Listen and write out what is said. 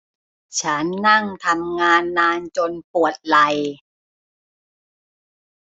ฉันนั่งทำงานนานจนปวดไหล่